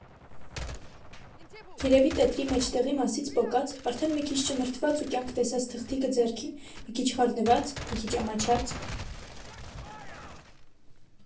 Երևի տետրի մեջտեղի մասից պոկած, արդեն մի քիչ ճմռթված ու կյանք տեսած թղթիկը ձեռքին, մի քիչ խառնված, մի քիչ ամաչած…